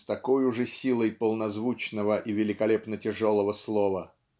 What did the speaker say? с такою же силой полнозвучного и великолепно тяжелого слова.